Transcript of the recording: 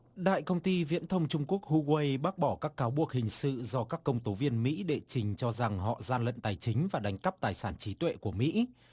đại công ty viễn thông trung quốc hua guây bác bỏ các cáo buộc hình sự do các công tố viên mỹ đệ trình cho rằng họ gian lận tài chính và đánh cắp tài sản trí tuệ của mỹ